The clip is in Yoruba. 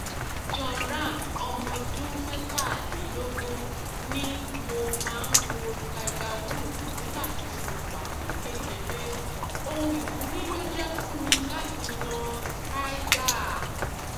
John Rahm, ọmọ ọdún 23, ní “Mo máa ń wo Tiger Woods nígbà tí mo wà ní kékeré. Ohun ìwúrí ló jẹ́ fún mi láti na Tiger.”